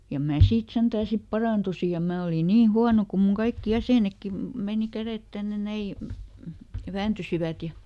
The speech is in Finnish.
ja minä siitä sentään sitten parannuin ja minä olin niin huono kun minun kaikki jäsenetkin meni kädet tänne näin vääntyivät ja